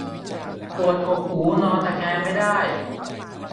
ปวดกกหูนอนตะแคงไม่ได้